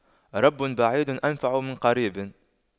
رب بعيد أنفع من قريب